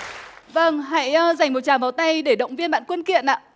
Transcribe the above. vâng hãy dành một tràng pháo tay để động viên bạn quân kiện ạ